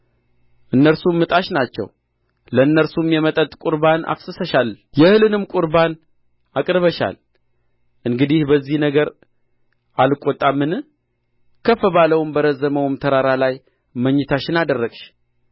እነርሱም ዕጣሽ ናቸው ለእነርሱም የመጠጥ ቍርባን አፍስሰሻል የእህልንም ቍርባን አቅርበሻል እንግዲህ በዚህ ነገር አልቈጣምን ከፍ ባለውም በረዘመውም ተራራ ላይ መኝታሽን አደረግሽ